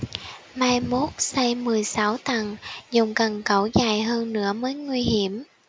mai mốt xây mười sáu tầng dùng cần cẩu dài hơn nữa mới nguy hiểm